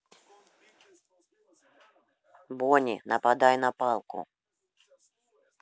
bonya нападай на палку